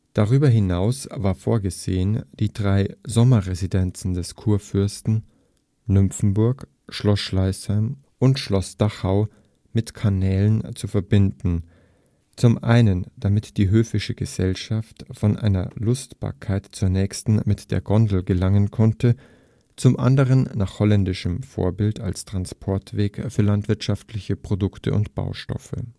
Darüber hinaus war vorgesehen, die drei Sommerresidenzen des Kurfürsten (Nymphenburg, Schloss Schleißheim und Schloss Dachau) mit Kanälen zu verbinden, zum einen, damit die höfische Gesellschaft von einer Lustbarkeit zur nächsten mit der Gondel gelangen konnte, zum anderen – nach holländischem Vorbild – als Transportweg für landwirtschaftliche Produkte und Baustoffe